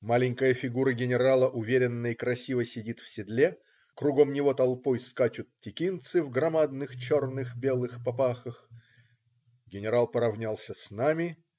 Маленькая фигура генерала уверенно и красиво сидит в седле, кругом него толпой скачут текинцы в громадных черных, белых папахах. Генерал поравнялся с нами.